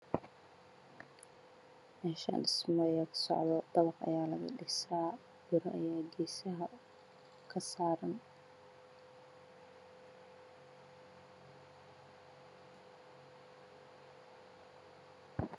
meshan dhismo Aya kasocdo dabaq aya laga dhisa biro Aya gesa ha kasaran